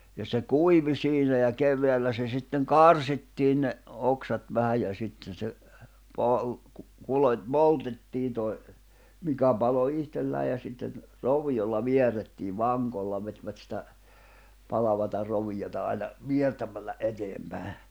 ja se kuivui siinä ja keväällä se sitten karsittiin ne oksat vähän ja sitten se --- poltettiin toi mikä paloi itsekseen ja sitten roviolla vierrettiin vankolla vetivät sitä palavaa roviota aina viertämällä eteenpäin